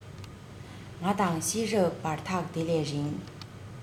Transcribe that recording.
ང དང ཤེས རབ བར ཐག དེ ལས རིང